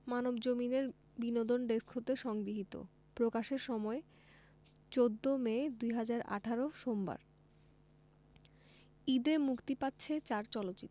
মানবজমিন এর বিনোদন ডেস্ক হতে সংগৃহীত প্রকাশের সময় ১৪ মে ২০১৮ সোমবার ঈদে মুক্তি পাচ্ছে চার চলচ্চিত্র